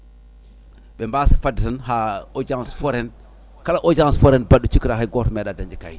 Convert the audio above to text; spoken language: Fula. ɓe mbasa fadde tan ha audience forêt en kala audience forêt baɗɗo cikkata hay goto meeɗa dañde kayit